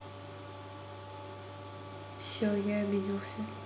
все я обиделся